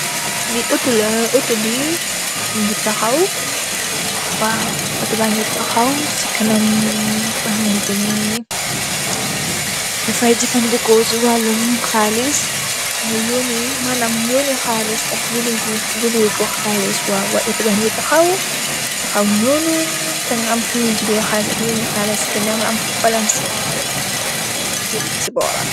Lii autor la, autor bii mungy takhaw, waw autor bangy takhaw cii kanam for hamanteh neh dafai jeufandehkor cii waaloum halis bui yohni, mahnam mui yohni halis ak jeli gii jelikor halis waw, y autor bangy takhaw, takhaw nonu teh nga am fu njui jeleh halis ak yoneh halis cii ginaw nga am fofu palansorr waw, nga am fofu keur cii bohram.